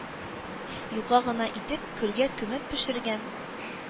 Юка гына итеп көлгә күмеп пешергән